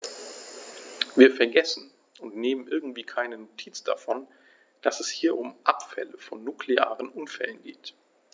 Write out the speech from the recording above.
Wir vergessen, und nehmen irgendwie keine Notiz davon, dass es hier um Abfälle von nuklearen Unfällen geht.